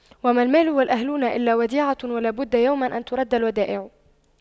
وما المال والأهلون إلا وديعة ولا بد يوما أن تُرَدَّ الودائع